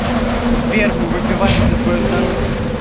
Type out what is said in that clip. сбер мы выпиваем за твое здоровье